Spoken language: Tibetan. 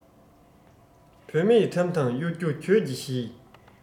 བུད མེད ཁྲམ དང གཡོ སྒྱུ གྱོད ཀྱི གཞི